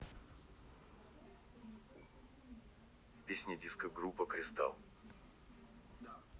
песня диско группа кристалл